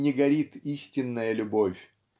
не горит истинная любовь.